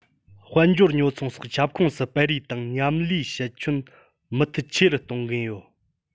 དཔལ འབྱོར ཉོ ཚོང སོགས ཁྱབ ཁོངས སུ སྤེལ རེས དང མཉམ ལས བྱེད ཁྱོན མུ མཐུད ཆེ རུ གཏོང གིན ཡོད